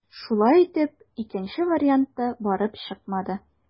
Шулай итеп, икенче вариант та барып чыкмады.